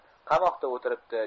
qamoqda o'tiribdi